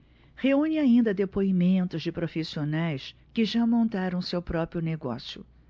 reúne ainda depoimentos de profissionais que já montaram seu próprio negócio